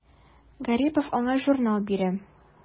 Гарипов аңа журнал бирә.